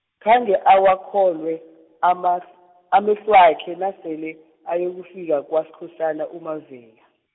khange awakholwe, amahl- amehlwakhe nasele, ayokufika kwaSkhosana uMavela.